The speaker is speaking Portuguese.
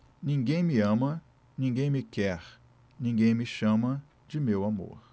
ninguém me ama ninguém me quer ninguém me chama de meu amor